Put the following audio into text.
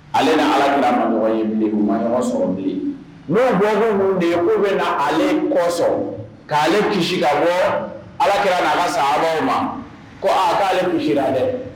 Ale na alakimamɔgɔ ye bilen ma sɔrɔ bilen n'o bɔ kun de ye ko bɛ na ale kɔsɔn k'ale kisi labɔ ala kɛra' ka sa ma ko a k'ale kun dɛ